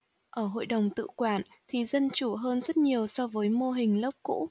ở hội đồng tự quản thì dân chủ hơn rất nhiều so với mô hình lớp cũ